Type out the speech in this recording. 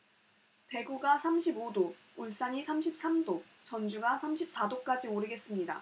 대구가 삼십 오 도 울산이 삼십 삼 도 전주가 삼십 사 도까지 오르겠습니다